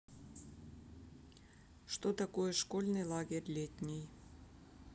что такое школьный лагерь летний